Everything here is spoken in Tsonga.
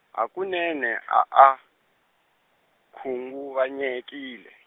hakunene a a, khunguvanyekile.